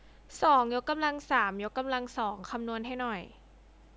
สองยกกำลังสามยกกำลังสองคำนวณให้หน่อย